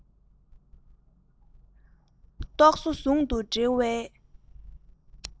རྟོག བཟོ ཟུང དུ འབྲེལ བའི